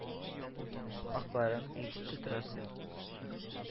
Акларын әйтеп тә торасы юк